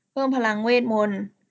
เพิ่มพลังเวทมนต์